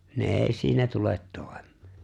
ne ei siinä tule toimeen